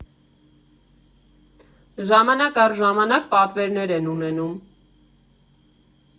Ժամանակ առ ժամանակ պատվերներ են ունենում։